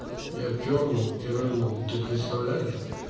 я пернул и рыгнул ты представляешь